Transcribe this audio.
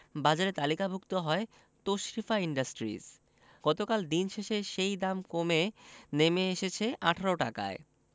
বাজারে তালিকাভুক্ত হয় তশরিফা ইন্ডাস্ট্রিজ গতকাল দিন শেষে সেই দাম কমে নেমে এসেছে ১৮ টাকায়